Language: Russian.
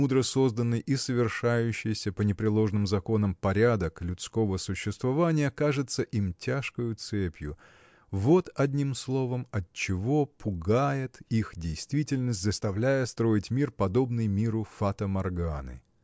мудро созданный и совершающийся по непреложным законам порядок людского существования кажется им тяжкою цепью вот одним словом отчего пугает их действительность заставляя строить мир подобный миру фата-морганы.